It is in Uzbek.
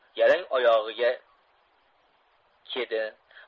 yalang oyog'iga kedi